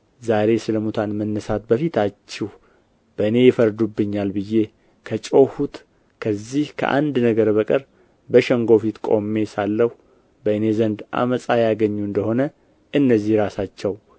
ዛሬ ስለ ሙታን መነሣት በፊታችሁ በእኔ ይፈርዱብኛል ብዬ ከጮኽሁት ከዚህ ከአንድ ነገር በቀር በሸንጎ ፊት ቆሜ ሳለሁ በእኔ አንድ ዓመፃ ያገኙ እንደ ሆን እነዚህ ራሳቸው